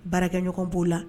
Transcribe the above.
Baarakɛɲɔgɔn b'o la